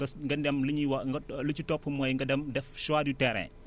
ngas nga dem li ñuy wax nga lu ci topp mooy nga dem def choix du terrain